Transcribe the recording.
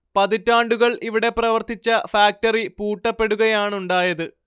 പതിറ്റാണ്ടുകൾ ഇവിടെ പ്രവർത്തിച്ച ഫാക്ടറി പൂട്ടപ്പെടുകയാണുണ്ടായത്